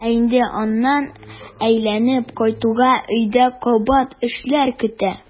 Ә инде аннан әйләнеп кайтуга өйдә кабат эшләр көтә.